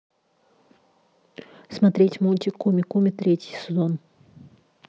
смотреть мультик куми куми третий сезон